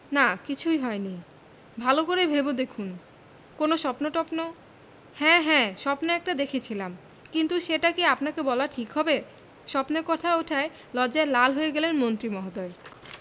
না কিছুই হয়নি ভালো করে ভেবে দেখুন কোনো স্বপ্ন টপ্ন হ্যাঁ হ্যাঁ স্বপ্ন একটা দেখেছিলাম কিন্তু সেটা কি আপনাকে বলা ঠিক হবে স্বপ্নের কথা ওঠায় লজ্জায় লাল হয়ে গেলেন মন্ত্রী মহোদয়